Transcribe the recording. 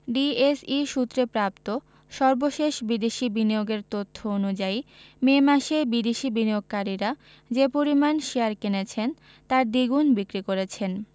DSE সূত্রে প্রাপ্ত সর্বশেষ বিদেশি বিনিয়োগের তথ্য অনুযায়ী মে মাসে বিদেশি বিনিয়োগকারীরা যে পরিমাণ শেয়ার কিনেছেন তার দ্বিগুণ বিক্রি করেছেন